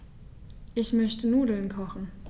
Ich möchte Nudeln kochen.